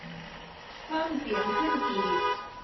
เพิ่มเสียงขึ้นอีก